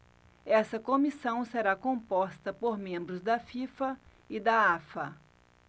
essa comissão será composta por membros da fifa e da afa